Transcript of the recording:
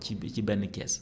ci ci benn kees